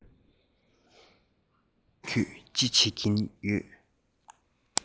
ཁྱོད ཀྱིས ཅི བྱེད ཀྱིན ཡོད